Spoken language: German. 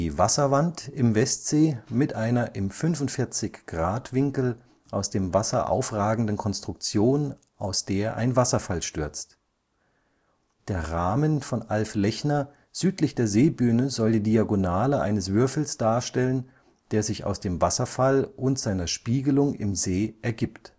Wasserwand im Westsee mit einer im 45°-Winkel aus dem Wasser aufragenden Konstruktion, aus der ein Wasserfall stürzt. Der Rahmen von Alf Lechner südlich der Seebühne soll die Diagonale eines Würfels darstellen, der sich aus dem Wasserfall und seiner Spiegelung im See ergibt